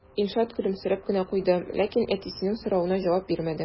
Илшат көлемсерәп кенә куйды, ләкин әтисенең соравына җавап бирмәде.